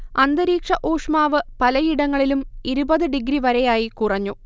അന്തരീക്ഷ ഊഷ്മാവ് പലയിടങ്ങളിലും ഇരുപത് ഡിഗ്രി വരെയായി കുറഞ്ഞു